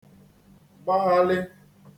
gbaghalị̄